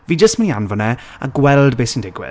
Fi jyst mynd i anfon e a gweld be sy'n digwydd.